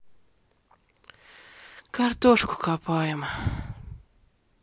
картошку копаем